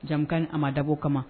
Jamu a ma dabɔ kama